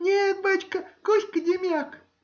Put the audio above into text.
— Нет, бачка,— Куська-Демяк.